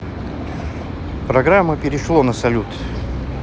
программа перешло на салют